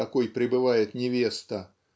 в какой пребывает невеста